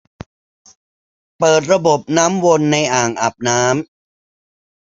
เปิดระบบน้ำวนในอ่างอาบน้ำ